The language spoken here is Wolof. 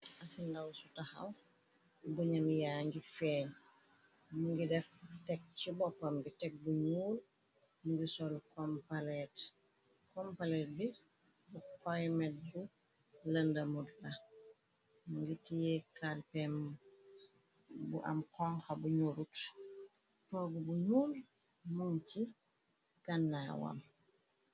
Xasindaw su taxaw bu ñam yaa ngi feeñ mungi def teg ci boppam bi tek bu ñuul mngi sol kompalet bi bu koymet ju lëndamut la ngi tie kalpem bu am xonxa bu ñurut toog bu ñuul mun ci gànnaawam.